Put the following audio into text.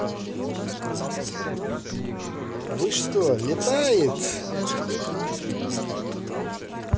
вы что летает